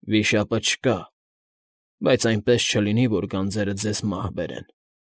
Վիշապը չկա, բայց այնպես չլինի, որ գանձերը ձեզ մահ բերեն։